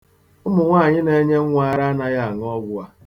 Ụmụ nwaanyị na-enye nwa ara anaghị aṅụ ọgwụ a.